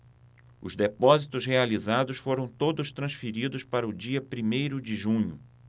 os depósitos realizados foram todos transferidos para o dia primeiro de junho